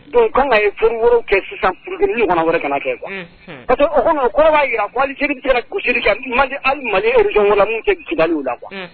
Donc o ka kan ka kɛ sisan pour que ni ɲɔgɔnna wɛrɛ kana kɛ quoi , unhun, o kɔrɔ b'a jira ko Algérie bɛ se ka gosili kɛ, manque de arme , Mali région nord la, min tɛ Kidali ye quoi , unhun.